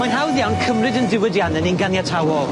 Mae'n hawdd iawn cymryd 'yn diwydianne ni'n ganiatawol.